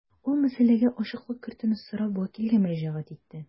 Ул мәсьәләгә ачыклык кертүне сорап вәкилгә мөрәҗәгать итте.